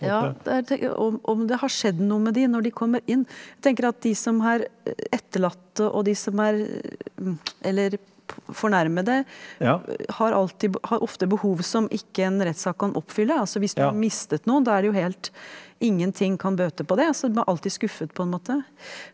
ja der om om det har skjedd noe med de når de kommer inn tenker at de som er etterlatte og de som er eller fornærmede har alltid har ofte behov som ikke en rettssak kan oppfylle, altså hvis du har mistet noen, da er det jo helt ingenting kan bøte på det så man blir alltid skuffet på en måte.